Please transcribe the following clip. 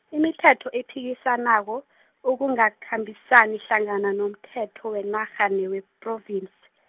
imithetho ephikisanako , ukungakhambisani hlangana nomthetho wenarha newePhrovinsi.